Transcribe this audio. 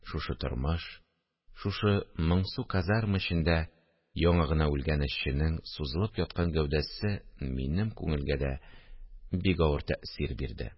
Шушы тормыш, шушы моңсу казарма эчендә яңа гына үлгән эшченең сузылып яткан гәүдәсе минем күңелгә дә бик авыр тәэсир бирде